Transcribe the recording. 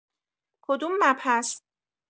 کدوم مبحث